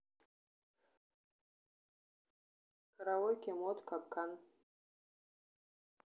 караоке мот капкан